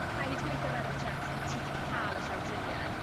paid gweu' 'tho'r En Haitch Ess bo' ti 'di ca'l y llawdrinieth